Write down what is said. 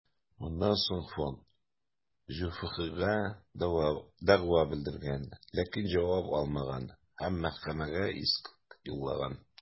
Моннан соң фонд ҖҮФХгә дәгъва белдергән, ләкин җавап алмаган һәм мәхкәмәгә иск юллаган.